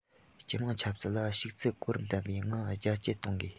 སྤྱི དམངས ཆབ སྲིད ལ ཞུགས ཚད གོ རིམ ལྡན པའི ངང རྒྱ སྐྱེད གཏོང དགོས